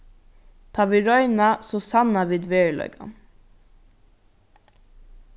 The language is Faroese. tá vit royna so sanna vit veruleikan